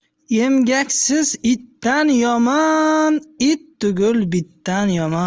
emgaksiz itdan yomon it tugul bitdan yomon